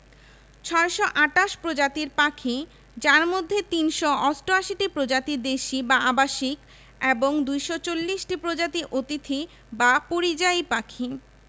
বন সম্পদঃ মোট বনাঞ্চল ২১হাজার ৪০৩ বর্গ কিলোমিটার সুন্দরবনের আয়তন ৪হাজার ১১০ বর্গ কিলোমিটার এবং পার্বত্য বনভূমির পরিমাণ